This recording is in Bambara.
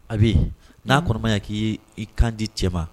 A bi n'a kɔnɔmaya k'i i kan di cɛ ma